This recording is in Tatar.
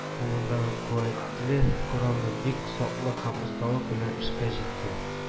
Кулындагы куәтле коралны бик саклык һәм осталык белән эшкә җикте